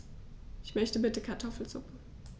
Ich möchte bitte Kartoffelsuppe.